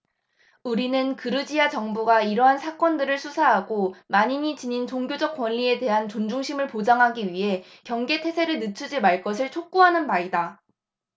우리는 그루지야 정부가 이러한 사건들을 수사하고 만인이 지닌 종교적 권리에 대한 존중심을 보장하기 위해 경계 태세를 늦추지 말 것을 촉구하는 바이다